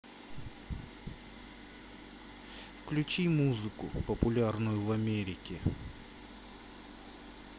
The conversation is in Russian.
включи музыку популярную в америке